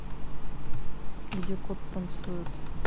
где кот танцует